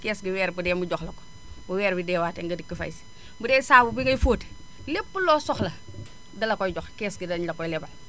kees gi weer bu dee mu jox la ko bu weer wi deewaatee nga dikk fay si bu dee saabu bi ngay fóotee lépp loo soxla da la koy jox kees gi dañu la koy lebal